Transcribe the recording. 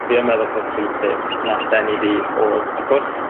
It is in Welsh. Fi yn meddwl taw'r prif peth nath ddenu fi o'dd y cwrs